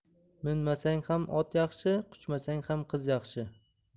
minmasang ham ot yaxshi quchmasang ham qiz yaxshi